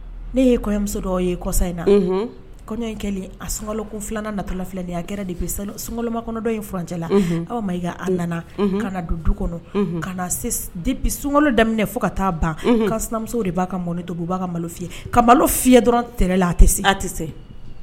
Ne ye kɔɲɔmuso ye kɔsa in na kɔɲɔ in kɛlen a sun filanan natala filali a kɛra de sunma kɔnɔdɔ fcɛla aw i a ka don du kɔnɔ sunkolo daminɛ fo ka taa ban ka sinamuso de b'a ka mɔ to u b'a malo fi ka malo fi dɔrɔn la a tɛ se tɛ se